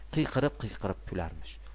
qiyqirib qiyqirib kularmish